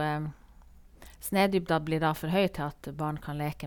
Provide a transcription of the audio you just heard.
Snødybden blir da for høy til at barn kan leke.